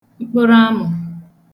mkpụrụamụ̀